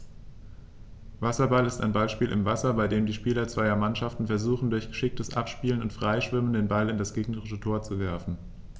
Wasserball ist ein Ballspiel im Wasser, bei dem die Spieler zweier Mannschaften versuchen, durch geschicktes Abspielen und Freischwimmen den Ball in das gegnerische Tor zu werfen.